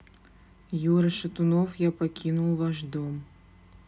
юра шатунов я покину ваш дом